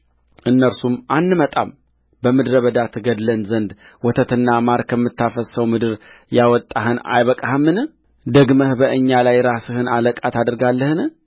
አንመጣምበምድረ በዳ ትገድለን ዘንድ ወተትና ማር ከምታፈስሰው ምድር ያወጣኸን አይበቃህምን ደግመህ በእኛ ላይ ራስህን አለቃ ታደርጋለህን